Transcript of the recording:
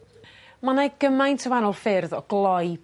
Ma' 'ne gymaint o wanol ffyrdd o gloi